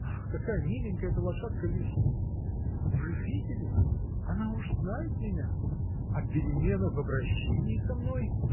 ах, какая миленькая эта лошадка Люси! вы видели?. она уж знает меня. – А перемена в обращении со мной?.